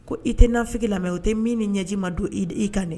Ko i tɛ n'fi lamɛn o tɛ min ni ɲɛji ma don i' kan